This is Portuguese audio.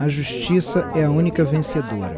a justiça é a única vencedora